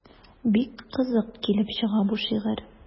Бик кызык килеп чыга бу шигырь.